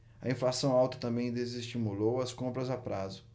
a inflação alta também desestimulou as compras a prazo